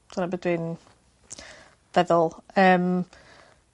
Dyna be dwi'n feddwl. Yym.